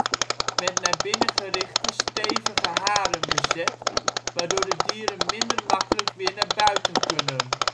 binnen gerichte, stevige haren bezet, waardoor de dieren minder makkelijk weer naar buiten kunnen